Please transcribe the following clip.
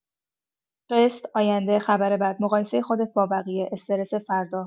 قسط، آینده، خبر بد، مقایسه خودت با بقیه، استرس فردا.